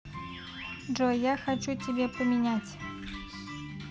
джой я хочу тебя поменять